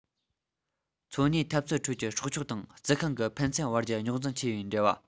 འཚོ གནས འཐབ རྩོད ཁྲོད ཀྱི སྲོག ཆགས དང རྩི ཤིང གི ཕན ཚུན བར གྱི རྙོག འཛིང ཆེ བའི འབྲེལ བ